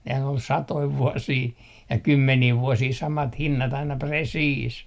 nehän oli satoja vuosia ja kymmeniä vuosia samat hinnat aina presiis